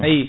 ayi